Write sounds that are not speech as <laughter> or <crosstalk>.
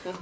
<hesitation> <hesitation>